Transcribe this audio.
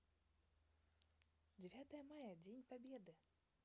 девятое мая день победы